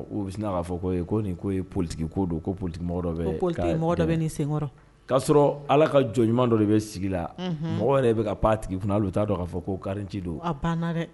U Bɛ sin k'a fɔ ko ko nin ko ye politique ko do ko politiue mɔgɔ dɔ bɛ ni senkɔrɔ k'a sɔrɔ Ala ka jɔn ɲuman dɔ de bɛ sigi la mɔgɔw yɛrɛ bɛ ka pan o tigi kun na hali o t'a dɔn k'a fɔ ko kariyanci do.